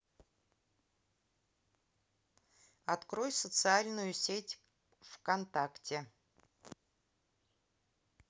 открой социальную сеть вконтакте